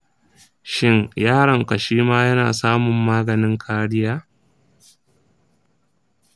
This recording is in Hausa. shin yaronka shima yana samun maganin kariya?